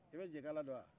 i bɛ nje kala dɔn wa